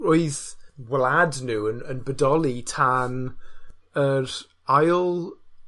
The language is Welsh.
Roedd wlad nw yn yn bodoli tan yr ail